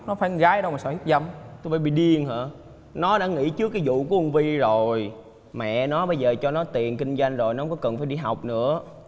nó phải con gái đâu mà sợ hiếp dâm tụi bay bị điên hả nó đã nghỉ trước cái vụ của con vy rồi mẹ nó bây giờ cho nó tiền kinh doanh rồi nó không có cần phải đi học nữa